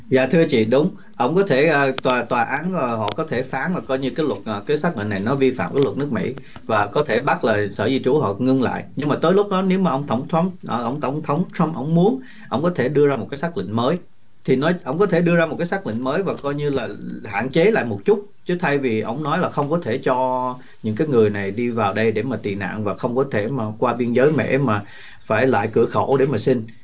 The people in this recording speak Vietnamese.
dạ thưa chị đúng ổng có thể ở tòa tòa án ngờ họ có thể phán và coi như kết luận kê sắc lệnh này nó vi phạm pháp luật nước mỹ và có thể bắt lời sở di trú hoặc ngưng lại nhưng mà tới lúc đó nếu mà ông tổng thống ở ống tổng thống không muốn ông có thể đưa ra một cái xác định mới thì nói ông có thể đưa ra một cái xác định mới và coi như là hạn chế lại một chút chứ thay vì ổng nói là không có thể cho những người này đi vào đây để mà tị nạn và không có thể mở qua biên giới mẻ mà phải lại cửa khẩu để mưu sinh